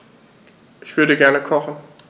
Ich würde gerne kochen.